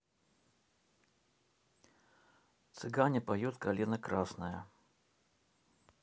цыгане поют калина красная